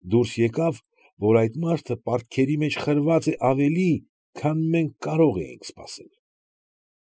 Դուրս եկավ, որ այդ մարդը պարտքերի մեջ խրված է ավելի, քան մենք կարող էինք սպասել։